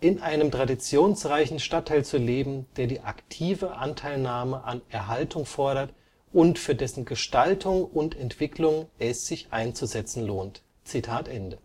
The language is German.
in einem traditionsreichen Stadtteil zu leben, der die aktive Anteilnahme an Erhaltung fordert und für dessen Gestaltung und Entwicklung es sich einzusetzen lohnt. (Satzung 1978